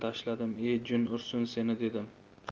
tashladim e jin ursin seni dedim